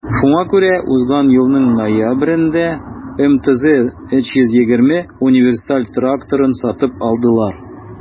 Шуңа күрә узган елның ноябрендә МТЗ 320 универсаль тракторын сатып алдылар.